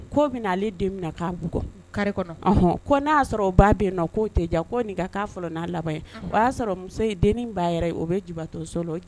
Ko bɛale' kari n'a y'a sɔrɔ o ba bɛ' tɛ'a n'a laban o y'a sɔrɔ muso den'a yɛrɛ ye o bɛ jibato so